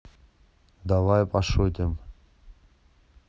давай пошутим